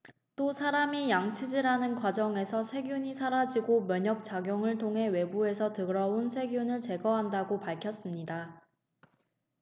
또 사람이 양치질하는 과정에서 세균이 사라지고 면역작용을 통해 외부에서 들어온 세균을 제거한다고 밝혔습니다